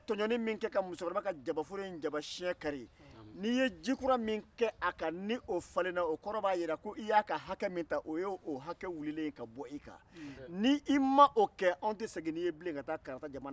i ye tɔɲɔni min kɛ ka musokɔrɔba ka jabaforo jabasiyɛn kari n'i ye ji kura min kɛ a kan ni o falenna o kɔrɔ b'a jira ko i y'a ka hakɛ min ta k'o ye hakɛ wulili ka bɔ i kan n'i ma o kɛ anw tɛ segin n'i bilen ka taa